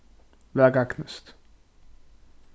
væl gagnist